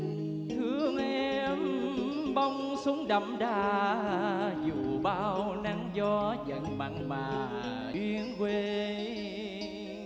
thương em bông súng đậm đà dù bao nắng gió vẫn mặn mà yên quê